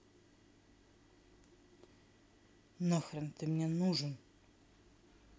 нахрен ты мне нужен